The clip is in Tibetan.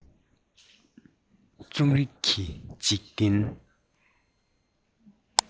རྩོམ རིག གི འཇིག རྟེན